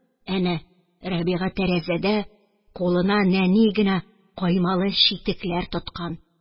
Әнә Рәбига тәрәзәдә, кулына нәни генә каймалы читекләр тоткан